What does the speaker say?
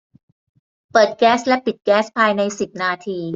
เปิดแก๊สและปิดแก๊สภายในสิบนาที